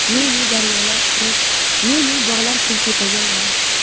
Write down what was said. ne ne daryolar qurib ne ne bog'lar kultepaga aylanibdi